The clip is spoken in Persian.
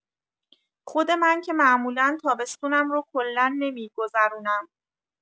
خود من که معمولا تابستونم رو کلا نمی‌گذرونم.